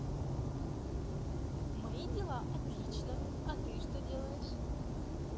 мои дела отлично а что ты делаешь